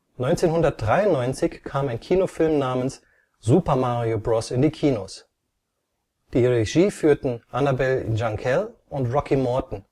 1993 kam ein Kinofilm namens Super Mario Bros. in die Kinos. Die Regie führten Annabel Jankel und Rocky Morton